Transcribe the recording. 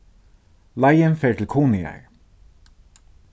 leiðin fer til kunoyar